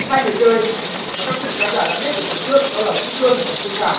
hai người chơi mà các quý vị khán giả đã biết từ tuần trước đó là sỹ luân và phương thảo